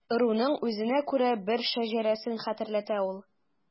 Ыруның үзенә күрә бер шәҗәрәсен хәтерләтә ул.